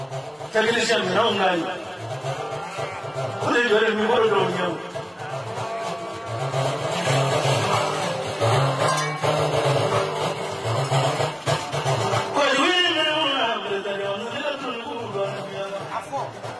Ko